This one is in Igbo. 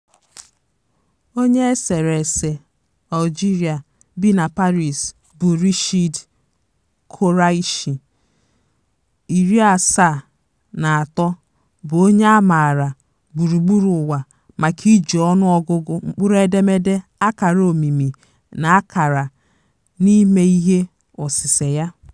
Onye eserese Algerịa bi na Paris bụ Rachid Koraichi, 73, bụ onye a maara gburugburu ụwa maka iji ọnụọgụgụ, mkpụrụedemede, akara omimi na akara n'ime ihe osise ya.